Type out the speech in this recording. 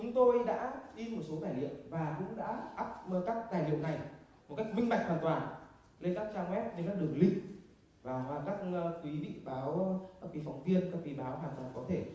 chúng tôi đã in một số tài liệu và cũng đã ắp các tài liệu này một cách minh bạch hoàn toàn lên các trang goét lên các đường linh và các quý vị báo các quý phóng viên các quý báo hoàn toàn có thể